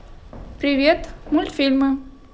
привет мультфильмы